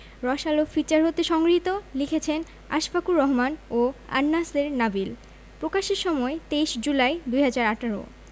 রসআলো feature হতে সংগৃহীত লিখেছেনঃ আশফাকুর রহমান ও আন্ নাসের নাবিল প্রকাশের সময়ঃ ২৩ জুলাই ২০১৮